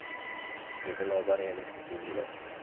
dedi lobar yana sekingina